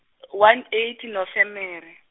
one eight Nofemere.